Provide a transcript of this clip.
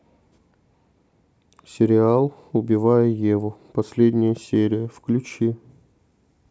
сериал убивая еву последняя серия включи